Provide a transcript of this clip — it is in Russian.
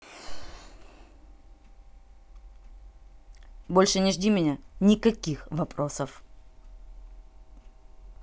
больше не ждет меня никаких вопросов